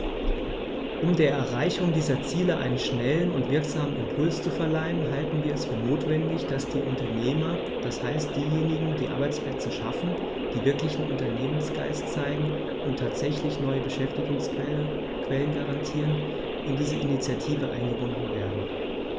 Um der Erreichung dieser Ziele einen schnellen und wirksamen Impuls zu verleihen, halten wir es für notwendig, dass die Unternehmer, das heißt diejenigen, die Arbeitsplätze schaffen, die wirklichen Unternehmergeist zeigen und tatsächlich neue Beschäftigungsquellen garantieren, in diese Initiative eingebunden werden.